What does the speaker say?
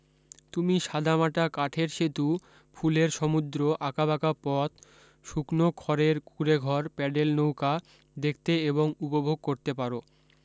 তুমি সাদামাটা কাঠের সেতু ফুলের সমুদ্র আঁকাবাঁকা পথ শুকনো খড়ের কুঁড়েঘর প্যাডেল নৌকা দেখতে এবং উপভোগ করতে পার